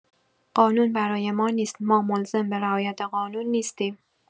قانون برای ما نیست ما ملزم به رعایت قانون نیستیم